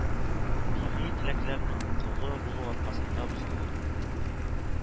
Бигый теләкләренең колы булу аркасында бозыла